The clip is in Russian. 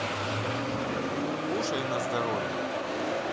кушай на здоровье